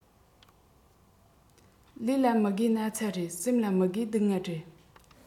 ལུས ལ མི དགོས ན ཚ རེད སེམས ལ མི དགོས སྡུག བསྔལ རེད